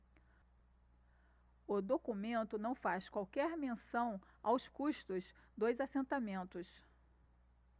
o documento não faz qualquer menção aos custos dos assentamentos